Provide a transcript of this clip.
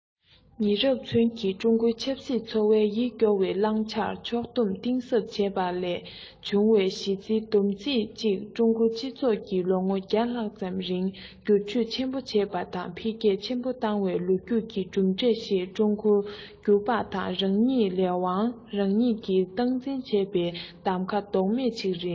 ཉེ རབས ཚུན གྱི ཀྲུང གོའི ཆབ སྲིད འཚོ བའི ཡིད སྐྱོ བའི བསླབ བྱར ཕྱོགས སྡོམ གཏིང ཟབ བྱས པ ལས བྱུང བའི གཞི རྩའི བསྡོམས ཚིག ཅིག ཀྲུང གོའི སྤྱི ཚོགས ཀྱིས ལོ ངོ ལྷག ཙམ རིང སྒྱུར བཅོས ཆེན པོ བྱས པ དང འཕེལ རྒྱས ཆེན པོ བཏང བའི ལོ རྒྱུས ཀྱི གྲུབ འབྲས ཤིག ཀྲུང གོ གྱུར པ དང རང ཉིད ཀྱི ལས དབང རང ཉིད ཀྱིས སྟངས འཛིན བྱས པའི གདམ ག ལྡོག མེད ཅིག རེད